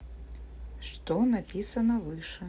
что написано выше